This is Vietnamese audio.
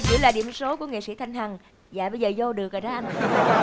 giữ lại điểm số của nghệ sĩ thanh hằng dạ bây giờ vô được rồi đó anh